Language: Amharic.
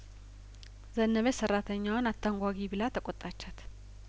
ዘነበች ሰራተኛዋን አታንጓጉ ብላ ተቆጣቻት